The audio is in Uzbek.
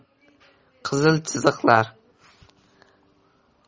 qizil chiziqlar